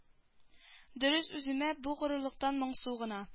Дөрес үземә бу горурлыктан моңсу гына